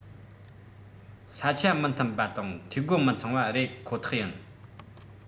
ས ཆ མི མཐུན པ དང འཐུས སྒོ མི ཚང བ རེད ཁོ ཐག ཡིན